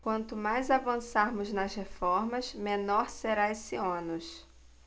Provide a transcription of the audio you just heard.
quanto mais avançarmos nas reformas menor será esse ônus